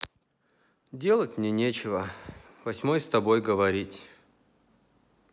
делать мне нечего восьмой с тобой говорить